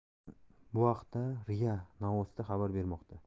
bu haqda ria novosti xabar bermoqda